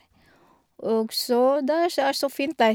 Og så, der sj er så fint der.